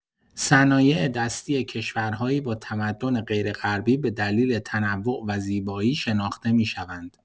صنایع‌دستی کشورهایی با تمدن غیرغربی به دلیل تنوع و زیبایی شناخته می‌شوند.